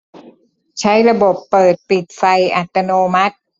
ใช้ระบบเปิดปิดไฟอัตโนมัติ